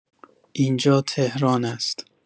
اینجا تهران است.